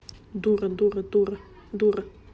дура дура дура дура